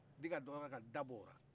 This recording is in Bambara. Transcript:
nin ka sɔrɔ ka da bɔ'ola